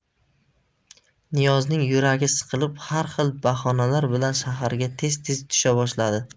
niyozning yuragi siqilib har xil bahonalar bilan shaharga tez tez tusha boshladi